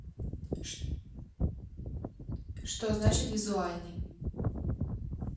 что значит визуальный